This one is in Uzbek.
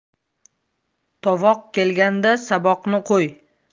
tovoq kelganda saboqni qo'y